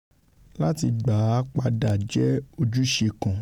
Láti gbà á padà jẹ́ ojúṣe kan.''